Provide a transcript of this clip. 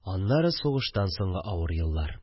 Аннары сугыштан соңгы авыр еллар